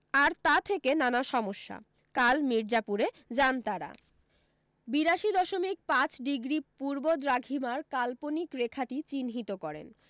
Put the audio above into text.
আর তা থেকে নানা সমস্যা কাল মির্জাপুরে যান তাঁরা বিরাশি দশমিক পাঁচ ডিগ্রী পূর্ব দ্রাঘিমার কাল্পনিক রেখাটি চিহ্নিত করেন